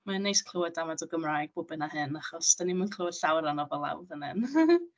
Mae'n neis clywed damaid o Gymraeg bob hyn a hyn, achos dan ni'm yn clywed llawer ohono fe lawr fan hyn!